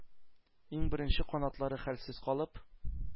Иң беренче канатлары хәлсез калып,